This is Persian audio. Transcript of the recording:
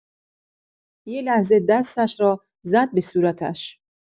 یه لحظه دستش رو زد به صورتش.